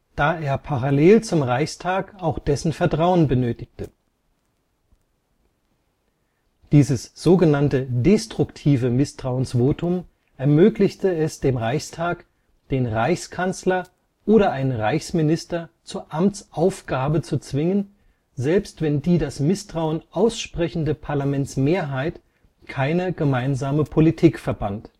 da er parallel zum Reichstag auch dessen Vertrauen benötigte. Dieses so genannte destruktive Misstrauensvotum ermöglichte es dem Reichstag, den Reichskanzler (oder einen Reichsminister) zur Amtsaufgabe zu zwingen, selbst wenn die das Misstrauen aussprechende Parlamentsmehrheit keine gemeinsame Politik verband